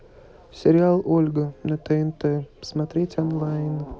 сериал ольга на тнт смотреть онлайн